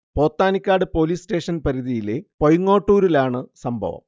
Pothanikkad police station പരിധിയിലെ പൈങ്ങോട്ടൂരിലാണ് സംഭവം